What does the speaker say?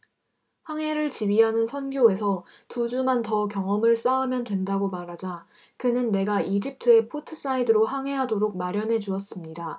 항해를 지휘하는 선교에서 두 주만 더 경험을 쌓으면 된다고 말하자 그는 내가 이집트의 포트사이드로 항해하도록 마련해 주었습니다